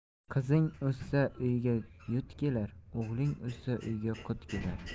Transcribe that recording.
qizing o'ssa uyga yut kelar o'g'ling o'ssa uyga qut kelar